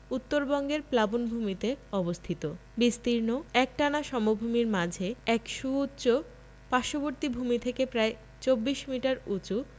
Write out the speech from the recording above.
উত্তরবঙ্গের প্লাবনভূমিতে অবস্থিত বিস্তীর্ণ একটানা সমভূমির মাঝে এক সুউচ্চ পার্শ্ববর্তী ভূমি থেকে প্রায় ২৪ মিটার উঁচু